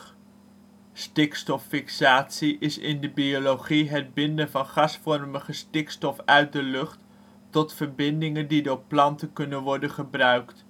Stikstoffixatie is in de biologie het binden van gasvormige stikstof uit de lucht tot verbindingen die door planten kunnen worden gebruikt